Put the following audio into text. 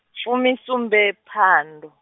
shumi sumbe phando.